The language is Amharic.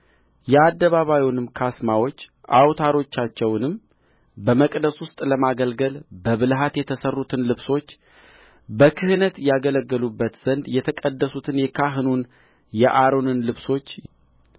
የአደባባዩንም ካስማዎች አውታሮቻቸውንም በመቅደስ ውስጥ ለማገልገል በብልሃት የተሠሩትን ልብሶች በክህነት ያገለግሉበት ዘንድ የተቀደሱትን የካህኑን የአሮን ልብሶች